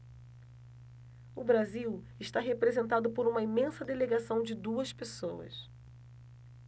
o brasil está representado por uma imensa delegação de duas pessoas